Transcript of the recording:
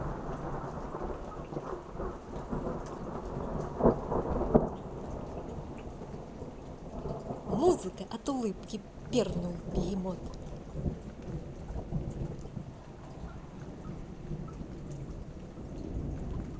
музыка от улыбки пернул бегемот